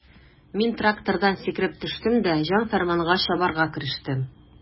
Мин трактордан сикереп төштем дә җан-фәрманга чабарга керештем.